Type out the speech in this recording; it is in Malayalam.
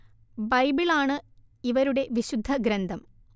ബൈബിൾ ആണ് ഇവരുടെ വിശുദ്ധ ഗ്രന്ഥം